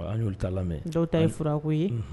An'' lam cɛw ta ye furako ye